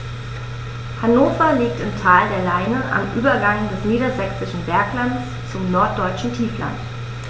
Hannover liegt im Tal der Leine am Übergang des Niedersächsischen Berglands zum Norddeutschen Tiefland.